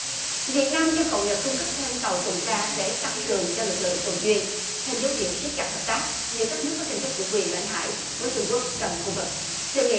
việt nam yêu cầu nhật cung cấp thêm tàu tuần tra để tăng cường cho lực lượng tuần duyên thêm dấu hiệu siết chặt hợp tác giữa các nước có tranh chấp chủ quyền lãnh hải với trung quốc trong khu vực đề nghị